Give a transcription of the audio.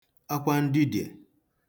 akwa ndidiè